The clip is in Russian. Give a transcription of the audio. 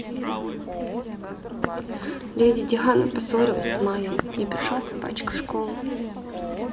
леди диана поссорилась с майей и пришла с собачкой в школу